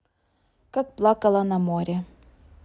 как плакала на море